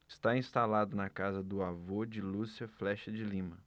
está instalado na casa do avô de lúcia flexa de lima